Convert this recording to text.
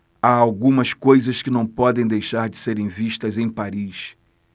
há algumas coisas que não podem deixar de serem vistas em paris